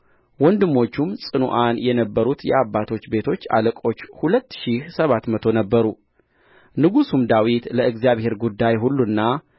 ወንድሞቹም ጽኑዓን የነበሩት የአባቶች ቤቶች አለቆች ሁለት ሺህ ሰባት መቶ ነበሩ ንጉሡም ዳዊት ለእግዚአብሔር ጉዳይ ሁሉና